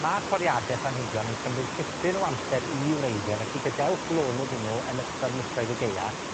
Ma' toriade planhigion yn cymryd tipyn o amser i wreiddio, felly gadewch lonydd i nw yn ystod misoedd y gaea.